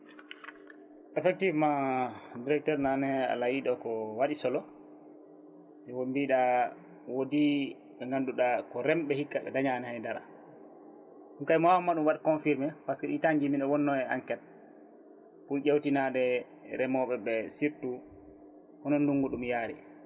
effectivement directeur nane laayiɗo ko ko waɗi solo koko mbiɗa woodi ɓe ganduɗa ko remɓe hikka ɓe dañani haydara ɗum kay mi wawma ɗum waat confirmé par ce que ɗin temps ji mino wonno e enquête pour ƴewtinade remoɓeɓe surtotu :fa hono ndugngu ɗum yaari